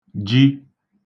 ji